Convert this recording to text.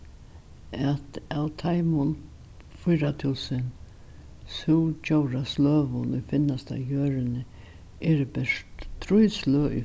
at av teimum fýra túsund súgdjórasløgum ið finnast á jørðini eru bert trý sløg í